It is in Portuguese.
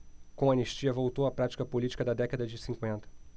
com a anistia voltou a prática política da década de cinquenta